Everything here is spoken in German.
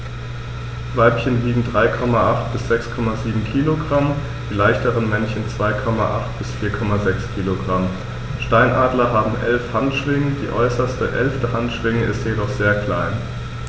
Weibchen wiegen 3,8 bis 6,7 kg, die leichteren Männchen 2,8 bis 4,6 kg. Steinadler haben 11 Handschwingen, die äußerste (11.) Handschwinge ist jedoch sehr klein.